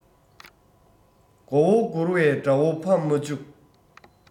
མགོ བོ སྒུར བའི དགྲ བོ ཕམ མ བཅུག